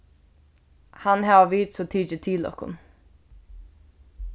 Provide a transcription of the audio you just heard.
hann hava vit so tikið til okkum